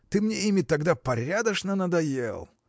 – ты мне ими тогда порядочно надоел.